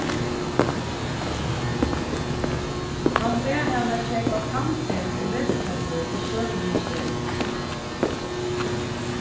hann bað hana keypa tannkrem og vesipappír í sølumiðstøðini